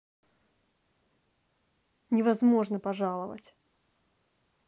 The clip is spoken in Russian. невозможно пожаловать